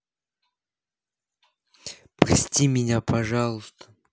прости меня пожалуйста